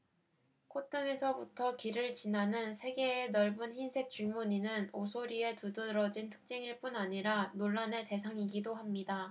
콧등에서부터 귀를 지나는 세 개의 넓은 흰색 줄무늬는 오소리의 두드러진 특징일 뿐 아니라 논란의 대상이기도 합니다